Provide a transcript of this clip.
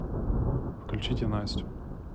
включите настю